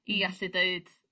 i allu deud